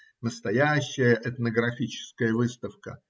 настоящая этнографическая выставка.